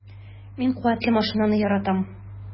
Мин куәтле машинаны яратам.